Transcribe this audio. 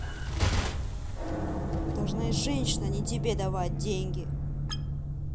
должна и женщина не тебе давать деньги